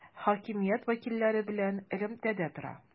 Хакимият вәкилләре белән элемтәдә тора.